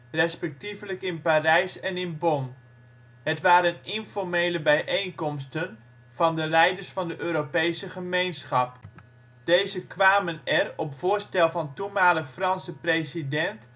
respectievelijk in Parijs en in Bonn). Het waren informele bijeenkomsten van de leiders van de Europese Gemeenschap. Deze kwamen er op voorstel van toenmalig Franse President